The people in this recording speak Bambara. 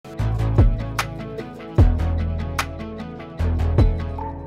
Sanunɛ